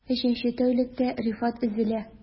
Өченче тәүлектә Рифат өзелә...